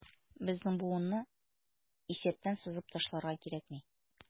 Безнең буынны исәптән сызып ташларга кирәкми.